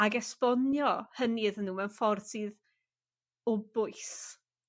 Ag esbonio hynny iddyn nw yn ffordd sydd o bwys.